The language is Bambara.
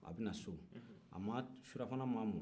a bɛ na so surafana mana mɔ